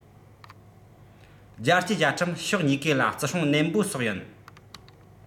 རྒྱལ སྤྱིའི བཅའ ཁྲིམས ཕྱོགས གཉིས ཀས ལ བརྩི སྲུང ནན པོ སོགས ཡིན